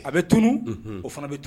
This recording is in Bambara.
A bɛ tun o fana bɛ